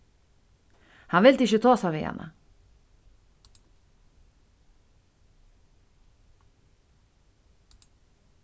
hann vildi ikki tosa við hana